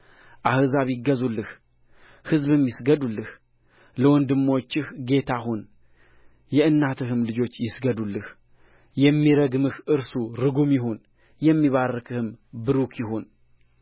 አሕዛብ ይገዙልህ ሕዝብም ይስገዱልህ ለወንድሞችህ ጌታ ሁን የእናትህም ልጆች ይስገዱልህ የሚረግምህ እርሱ ርጉም ይሁን የሚባርክህም ቡሩክ ይሁን